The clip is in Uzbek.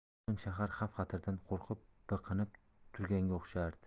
butun shahar xavf xatardan qo'rqib biqinib turganga o'xshardi